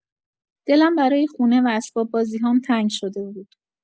دلم برای خونه و اسباب‌بازی‌هام تنگ شده بود.